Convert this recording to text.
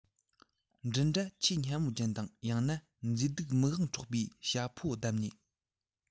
མགྲིན སྒྲ ཆེས སྙན མོ ཅན དང ཡང ན ཆེས མཛེས སྡུག མིག དབང འཕྲོག པའི བྱ ཕོ བདམས ནས